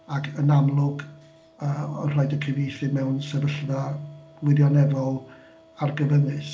Ac yn amlwg, yy oedd o'n rhoid cyfieithydd mewn sefyllfa wirioneddol argyfyngus.